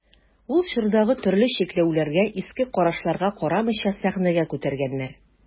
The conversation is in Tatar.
Ул чордагы төрле чикләүләргә, иске карашларга карамыйча сәхнәгә күтәрелгәннәр.